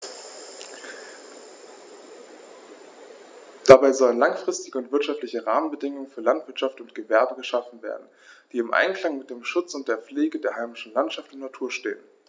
Dabei sollen langfristige und wirtschaftliche Rahmenbedingungen für Landwirtschaft und Gewerbe geschaffen werden, die im Einklang mit dem Schutz und der Pflege der heimischen Landschaft und Natur stehen.